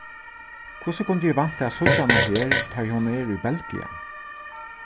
hvussu kundi eg vænta at síggja hana her tá ið hon er í belgia